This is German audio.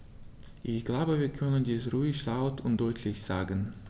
Ich glaube, wir können dies ruhig laut und deutlich sagen.